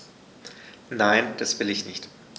Nein, das will ich nicht.